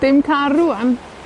Dim car rŵan.